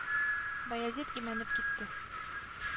Баязит имәнеп китте